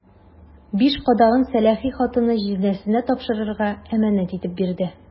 Биш кадагын сәләхи хатыны җизнәсенә тапшырырга әманәт итеп бирде.